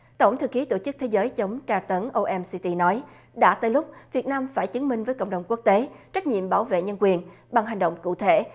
tổng thư ký tổ chức thế giới chống tra tấn ô em xi ti nói đã tới lúc việt nam phải chứng minh với cộng đồng quốc tế trách nhiệm bảo vệ nhân quyền bằng hành động cụ thể